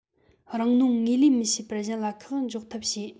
རང ནོངས ངོས ལེན མི བྱེད པར གཞན ལ ཁག འཇོག ཐབས བྱས